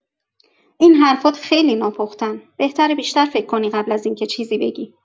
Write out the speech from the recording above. این حرف‌هات خیلی ناپخته‌ان، بهتره بیشتر فکر کنی قبل از این که چیزی بگی.